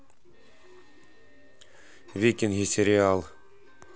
викинги сериал